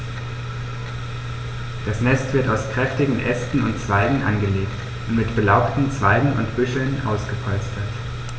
Das Nest wird aus kräftigen Ästen und Zweigen angelegt und mit belaubten Zweigen und Büscheln ausgepolstert.